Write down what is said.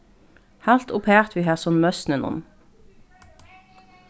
halt uppat við hasum møsninum